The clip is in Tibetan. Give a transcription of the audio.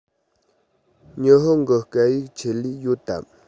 ཉི ཧོང གི སྐད ཡིག ཆེད ལས ཡོད དམ